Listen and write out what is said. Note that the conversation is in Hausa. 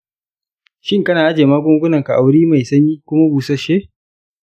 shin kana ajiye magungunanka a wuri mai sanyi kuma busasshen?